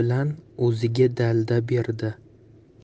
bilan o'ziga dalda berdi